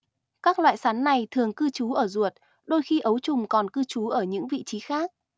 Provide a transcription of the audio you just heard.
các loại sán này thường cư trú ở ruột đôi khi ấu trùng còn cư trú ở những vị trí khác